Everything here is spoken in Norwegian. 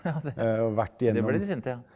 ja det ble de sinte ja.